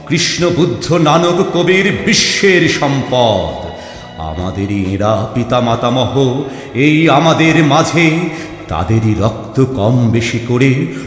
কৃষ্ণ বুদ্ধ নানক কবীর বিশ্বের সম্পদ আমাদেরি এঁরা পিতা মাতামহ এই আমাদের মাঝে তাঁদেরি রক্ত কম বেশী করে